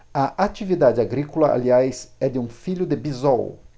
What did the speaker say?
a atividade agrícola aliás é de um filho de bisol